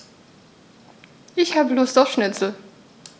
Ich habe Lust auf Schnitzel.